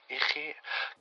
I chi.